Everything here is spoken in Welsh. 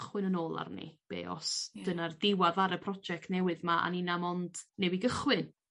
cychwyn yn ôl arni be' os... Ia. ...dyna'r diwadd ar y project newydd 'ma a nina 'mond newy gychwyn?